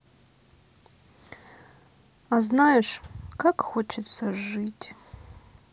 а знаешь как хочется жить